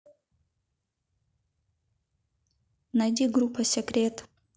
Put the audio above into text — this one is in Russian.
найди группа секрет